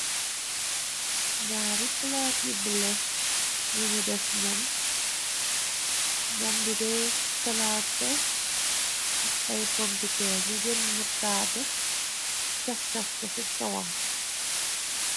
Yaari plaat yu bula yunu def nyam, nyam bi day salaat la ak ay pomputeer nu jël motaada chass chass ko ci kawam.